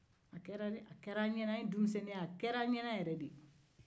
a kɛra n ɲɛna yɛrɛ